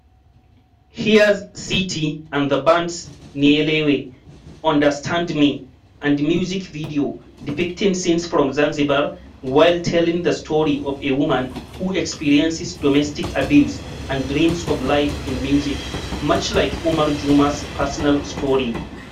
Here's Siti and the Band's "Nielewe" ("Understand Me") and music video, depicting scenes from Zanzibar while telling the story of a woman who experiences domestic abuse and dreams of life in music, much like Omar Juma's personal story: